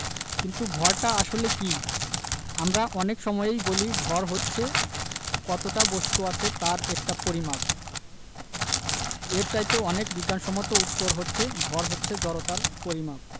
কিন্তু ভরটা আসলে কী আমরা অনেক সময়েই বলি ভর হচ্ছে কতটা বস্তু আছে তার একটা পরিমাপ এর চাইতে অনেক বিজ্ঞানসম্মত উত্তর হচ্ছে ভর হচ্ছে জড়তার পরিমাপ